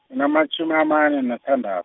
nginamatjhumi amane nasithandath-.